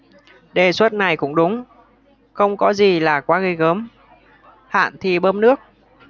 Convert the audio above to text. đề xuất này cũng đúng không có gì là quá ghê gớm hạn thì bơm nước